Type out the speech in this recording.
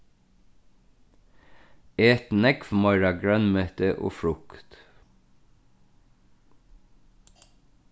et nógv meira grønmeti og frukt